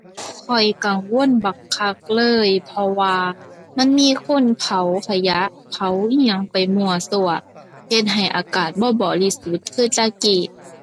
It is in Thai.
ข้อยกังวลบักคักเลย เพราะว่ามันมีคนเผาขยะ เผาอิหยังไปมั่วซั่ว เฮ็ดให้อากาศบ่บริสุทธิ์คือแต่กี้